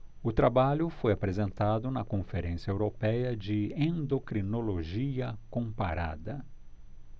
o trabalho foi apresentado na conferência européia de endocrinologia comparada